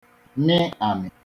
mị àmị̀